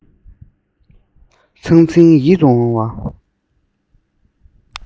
ཚང ཚིང ཡིད དུ འོང བ